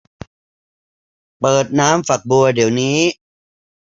เปิดน้ำฝักบัวเดี๋ยวนี้